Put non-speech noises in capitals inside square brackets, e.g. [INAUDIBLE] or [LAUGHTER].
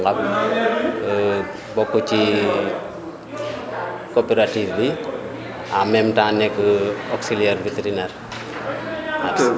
dëkk Ngop [CROSSTALK] [HESITATION] bokk ci [CROSSTALK] coopérative bi en même temps nekk [HESITATION] auxiliaire vétérinaire [CROSSTALK]